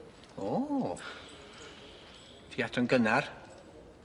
O! Ti adre'n gynnar.